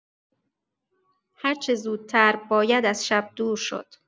هرچه زودتر باید از شب دور شد.